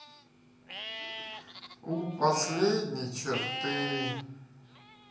у последней черты